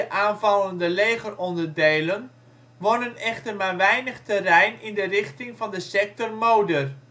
aanvallende legeronderdelen wonnen echter maar weinig terrein in de richting van de sector Moder